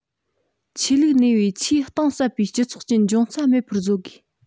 ཆོས ལུགས གནས པའི ཆེས གཏིང ཟབ པའི སྤྱི ཚོགས ཀྱི འབྱུང རྩ མེད པར བཟོ དགོས